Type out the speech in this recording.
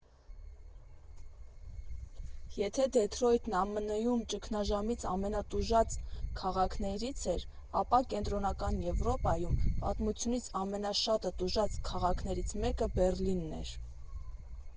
Եթե Դեթրոյթն ԱՄՆ֊ում ճգնաժամից ամենատուժած քաղաքներից էր, ապա Կենտրոնական Եվրոպայում պատմությունից ամենաշատը տուժած քաղաքներից մեկը Բեռլինն էր։